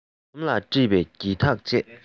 འོ ཟོམ ལ དཀྲིས པའི སྒྱིད ཐག བཅས